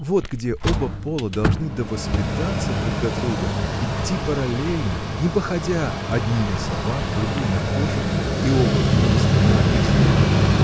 Вот где оба пола должны довоспитаться друг до друга, идти параллельно, не походя, одни — на собак, другие — на кошек, и оба вместе — на обезьян!